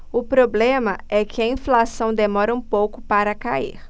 o problema é que a inflação demora um pouco para cair